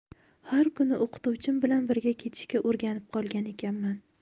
har kuni o'qituvchim bilan birga ketishga o'rganib qolgan ekanman